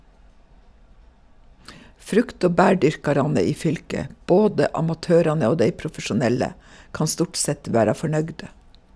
Frukt- og bærdyrkarane i fylket, både amatørane og dei profesjonelle, kan stort sett vera fornøgde.